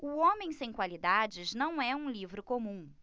o homem sem qualidades não é um livro comum